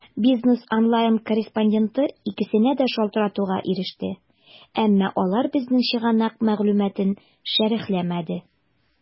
"бизнес online" корреспонденты икесенә дә шалтыратуга иреште, әмма алар безнең чыганак мәгълүматын шәрехләмәде.